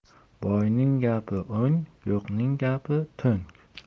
boyning gapi o'ng yo'qning gapi to'ng